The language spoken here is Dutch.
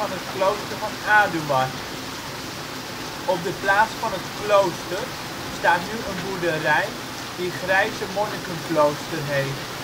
het klooster van Aduard. Op de plaats van het klooster staat nu een boerderij die Grijze Monnikenklooster heet